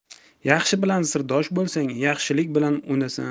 yaxshi bilan sirdosh bo'lsang yaxshilik bilan unasan